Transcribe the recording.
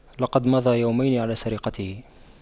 لقد مضى يومين على سرقته